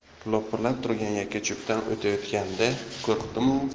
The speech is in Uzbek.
lopillab turgan yakkacho'pdan o'tayotganda qo'rqdimu